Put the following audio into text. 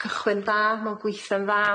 cychwyn dda ma'n gwitho'n dda.